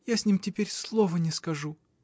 — Я с ним теперь слова не скажу.